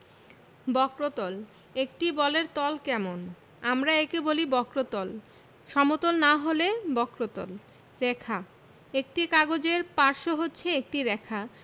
বক্রতলঃ একটি বলের তল কেমন আমরা একে বক্রতল বলি সমতল না হলে বক্রতল রেখাঃ একটি কাগজের পার্শ্ব হচ্ছে একটি রেখা